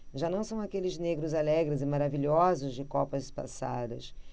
já não são aqueles negros alegres e maravilhosos de copas passadas